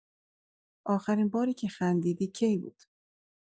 آخرین باری که خندیدی کی بود؟